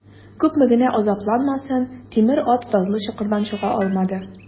Күпме генә азапланмасын, тимер ат сазлы чокырдан чыга алмады.